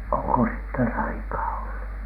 onko siitä taikaa ollut